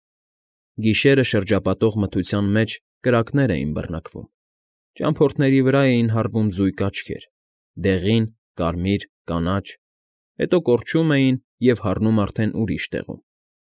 Գիշերը շրջապատող մթության մեջ կրակներ էին բռնկվում, ճամփորդների վրա էին հառվում զույգ աչքեր՝ դեղին, կարմիր, կանաչ. հետո կորչում էին և հառնում արդեն ուրիշ տեղում։